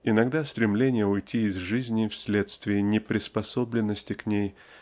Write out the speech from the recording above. Иногда стремление уйти из жизни вследствие неприспособленности к ней